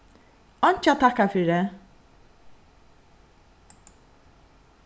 einki at takka fyri